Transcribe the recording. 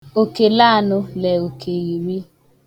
òkèlanụ le òkèiri